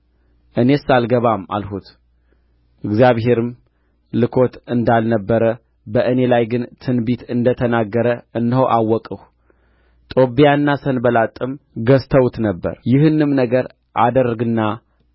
እኔስ አልገባም አልሁት እግዚአብሔርም ልኮት እንዳልነበረ በእኔ ላይ ግን ትንቢት እንደ ተናገረ እነሆ አወቅሁ ጦብያና ሰንባላጥም ገዝተውት ነበር ይህንም ነገር አደርግና